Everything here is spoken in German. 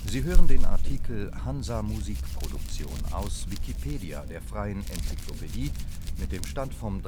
Sie hören den Artikel Hansa Musik Produktion, aus Wikipedia, der freien Enzyklopädie. Mit dem Stand vom